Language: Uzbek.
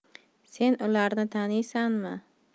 sen ularni taniysanmi